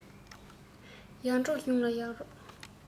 ཡར འབྲོག གཞུང ལ ཡོག རེད